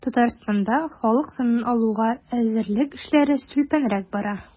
Татарстанда халык санын алуга әзерлек эшләре сүлпәнрәк бара.